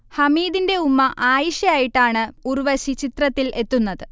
ഹമീദിന്റെ ഉമ്മ ആയിഷ ആയിട്ടാണ് ഉർവശി ചിത്രത്തിൽ എത്തുന്നത്